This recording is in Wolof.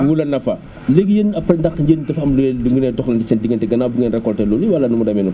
Wula Nafa léegi yéen après ndax yéen dafa am lu leen lu leen doxal seen diggante gannaaw bi ngeen récolté loolu wala nu mu demee noonu